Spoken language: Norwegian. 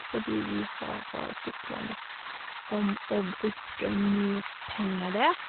Fordi vi har store planer om å bruke mye penger der.